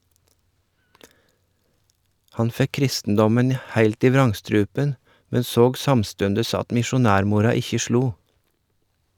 Han fekk kristendommen heilt i vrangstrupen, men såg samstundes at misjonærmora ikkje slo.